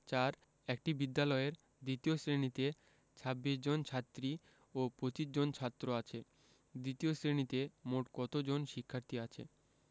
৪ একটি বিদ্যালয়ের দ্বিতীয় শ্রেণিতে ২৬ জন ছাত্রী ও ২৫ জন ছাত্র আছে দ্বিতীয় শ্রেণিতে মোট কত জন শিক্ষার্থী আছে